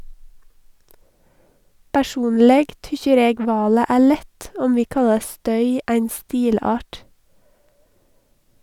Personleg tykkjer eg valet er lett, om vi kallar støy ein stilart.